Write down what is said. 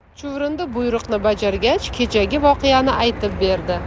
chuvrindi buyruqni bajargach kechagi voqeani aytib berdi